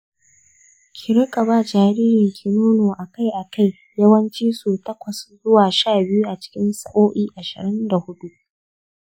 ki riƙa ba jaririnki nono akai-akai, yawanci sau takwas zuwa sha biyu a cikin sa'o'i ashirin da huɗu